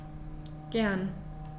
Gern.